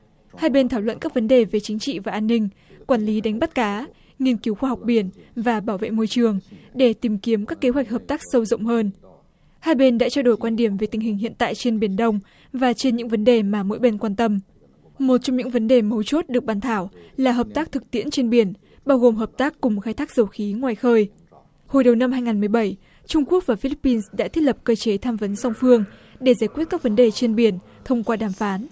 hai bên thảo luận các vấn đề về chính trị và an ninh quản lý đánh bắt cá nghiên cứu khoa học biển và bảo vệ môi trường để tìm kiếm các kế hoạch hợp tác sâu rộng hơn hai bên đã trao đổi quan điểm về tình hình hiện tại trên biển đông và trên những vấn đề mà mỗi bên quan tâm một trong những vấn đề mấu chốt được bàn thảo là hợp tác thực tiễn trên biển bao gồm hợp tác cùng khai thác dầu khí ngoài khơi hồi đầu năm hai ngàn mười bảy trung quốc và phi líp pin đã thiết lập cơ chế tham vấn song phương để giải quyết các vấn đề trên biển thông qua đàm phán